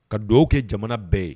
Ka dɔw kɛ jamana bɛɛ ye